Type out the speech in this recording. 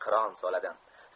qiron soladi